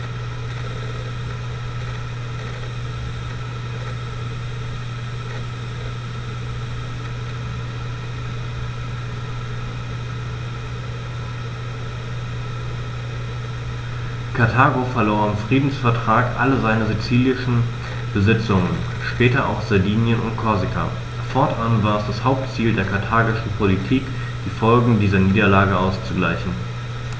Karthago verlor im Friedensvertrag alle seine sizilischen Besitzungen (später auch Sardinien und Korsika); fortan war es das Hauptziel der karthagischen Politik, die Folgen dieser Niederlage auszugleichen.